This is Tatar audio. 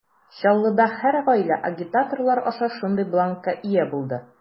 Чаллыда һәр гаилә агитаторлар аша шундый бланкка ия булды.